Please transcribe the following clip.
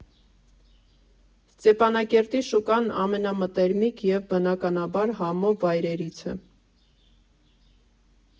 Ստեփանակերտի շուկան ամենամտերմիկ և, բնականաբար, համով վայրերից է։